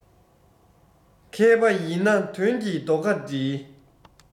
མཁས པ ཡིན ན དོན གྱི རྡོ ཁ སྒྲིལ